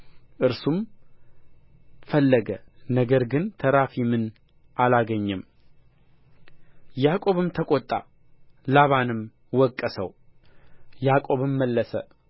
እርሱም ፈለገ ነገር ግን ተራፊምን አላገኘም ያዕቆብም ተቆጣ ላባንም ወቀሰው ያዕቆብም መለሰ